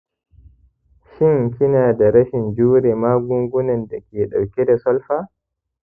shin kina da rashin jure magungunan da ke ɗauke da sulfa?